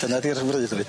Dyna 'di'r 'ym mreuddwyd.